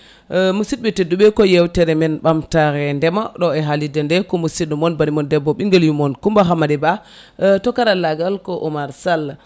musibɓe tedduɓe ko yewtere men ɓamtare ndeema ɗo e haalirde nde ko musidɗo moon banimoon debbo ɓinguel yummoon Coumba Hammady Ba e to karallagal ko Oumar Sall